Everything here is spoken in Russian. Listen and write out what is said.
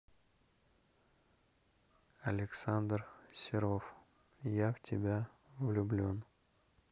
александр серов я в тебя влюблен